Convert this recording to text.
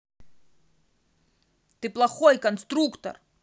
ты плохой конструктор